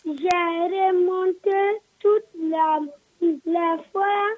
Zre mun tɛ tu la filɛ fɔ